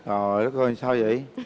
trời đất ơi là sao dậy